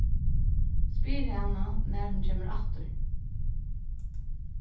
spyr hana nær hon kemur aftur